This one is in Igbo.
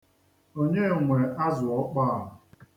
Onye nwe azụọkpọọ a?